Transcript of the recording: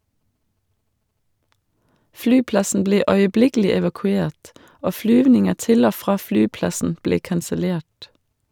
Flyplassen ble øyeblikkelig evakuert, og flyvninger til og fra flyplassen ble kansellert.